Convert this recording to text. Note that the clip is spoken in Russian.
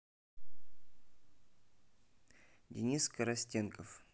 денис карастенков